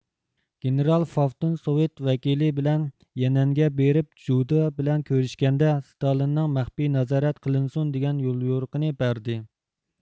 گېنېرال فافتون سوۋېت ۋەكىلى بىلەن يەنئەنگە بېرىپ جۇدې بىلەن كۆرۈشكەندە ستالىننىڭ مەخپىي نازارەت قىلىنسۇن دېگەن يوليورۇقىنى بەردى